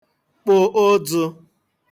kpụ ụdzụ̄